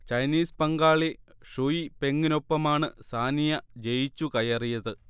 Chinese പങ്കാളി Shuai പെങ്ങിനൊപ്പമാണ് സാനിയ ജയിച്ചുകയറിയത്